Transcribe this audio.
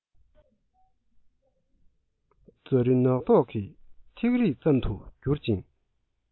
རྫ རི ནག མདོག གི ཐིག རིས ཙམ དུ གྱུར ཅིང